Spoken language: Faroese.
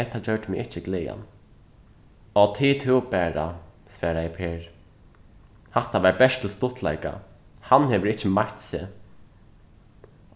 hetta gjørdi meg ikki glaðan áh tig tú bara svaraði per hatta var bert til stuttleika hann hevur ikki meitt seg